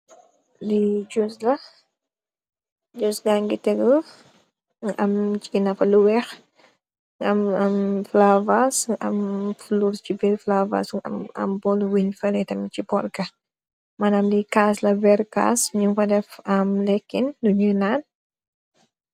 Li juice la juice bange teguh mu am lu wekh nga am lu am flower vase nga am flour bu teguh si birr flower vase am bowl li wunye bufa teguh tam manam li kass la weri kass bu ndekin bunyu nan